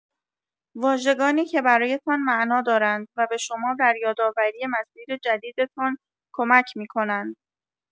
واژگانی که برایتان معنا دارند و به شما در یادآوری مسیر جدیدتان کمک می‌کنند.